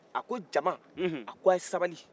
a ko jama a k' a ya sabali